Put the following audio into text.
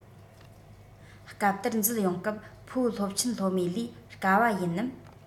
སྐབས དེར འཛུལ ཡོང སྐབས ཕོ སློབ ཆེན སློབ མའི ལས དཀའ བ ཡིན ནམ